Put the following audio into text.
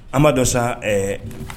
An ma dɔ sa